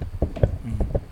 Unhun!